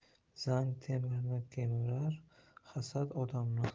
zang temirni kemirar hasad odamni